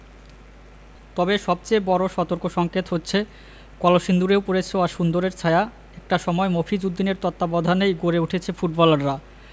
তবে সবচেয়ে বড় সতর্কসংকেত হচ্ছে কলসিন্দুরেও পড়েছে অসুন্দরের ছায়া একটা সময় মফিজ উদ্দিনের তত্ত্বাবধানেই গড়ে উঠেছে ফুটবলাররা